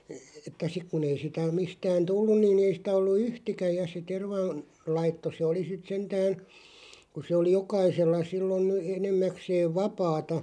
että sitten kun ei sitä mistään tullut niin ei sitä ollut yhtikäs ja se -- tervanlaitto se oli sitten sentään kun se oli jokaisella silloin enimmäkseen vapaata